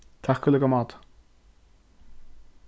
takk í líka máta